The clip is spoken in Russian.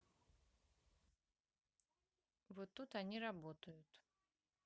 вот тут они работают